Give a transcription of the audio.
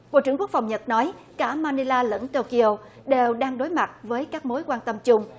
bộ trưởng quốc phòng nhật nói cả ma ni la lẫn tô ki ô đều đang đối mặt với các mối quan tâm chung